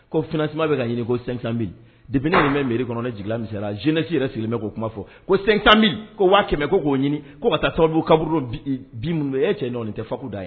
Ko fsi bɛ ka ko sansanbi dena nin bɛ miiriri kɔnɔ ne jiginmi sera zɛsi yɛrɛ sigilenmɛ k'o kuma fɔ ko sankanbi ko waa kɛmɛ ko k'o ɲini ko' ka taa tobi kaburu bi minnu e cɛ nɔ nin tɛ fa da ye